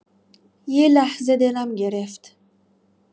یه لحظه دلم گرفت.